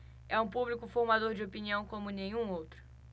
é um público formador de opinião como nenhum outro